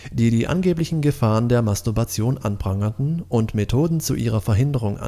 die die angeblichen Gefahren der Masturbation anprangerten und Methoden zu ihrer Verhinderung